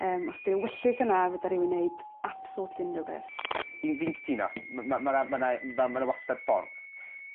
Yym os 'di ewyllys yna fedar rywun neud absolutely unryw beth. Yf fi'n cytuno. Ma' ma' ma' rai' ma' rai fel ma' 'na wastad ffordd.